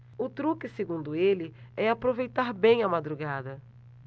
o truque segundo ele é aproveitar bem a madrugada